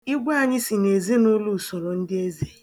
Igwe anyị si na ezinaụlọ usorondịeze